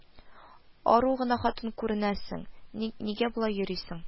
– ару гына хатын күренәсең, нигә болай йөрисең